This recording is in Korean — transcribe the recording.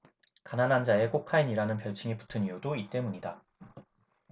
가난한 자의 코카인이라는 별칭이 붙은 이유도 이 때문이다